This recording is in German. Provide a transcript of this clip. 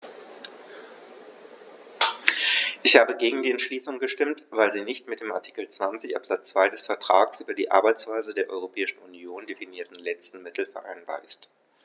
Ich habe gegen die Entschließung gestimmt, weil sie nicht mit dem in Artikel 20 Absatz 2 des Vertrags über die Arbeitsweise der Europäischen Union definierten letzten Mittel vereinbar ist.